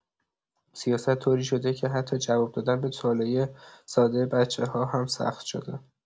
سیاست طوری شده که حتی جواب دادن به سوالای ساده بچه‌ها هم سخت شده.